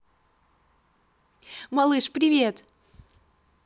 малыш привет